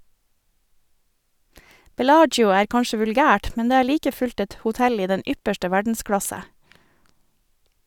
Bellagio er kanskje vulgært, men det er like fullt et hotell i den ypperste verdensklasse.